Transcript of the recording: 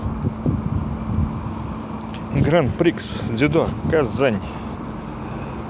grand prix дзюдо казань